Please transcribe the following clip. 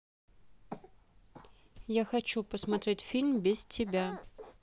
я хочу посмотреть фильм без тебя